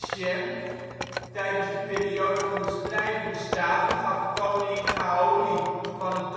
申): tijdens de periode van de strijdende staten gaf koning Gaoli van het